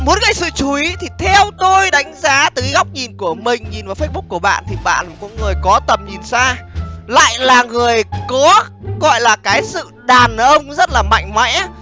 muốn gây sự chú ý thì theo tôi đánh giá từ cái góc nhìn của mình nhìn vào phây búc của bạn thì bạn cũng là người có tầm nhìn xa lại là người có gọi là cái sự đàn ông rất là mạnh mẽ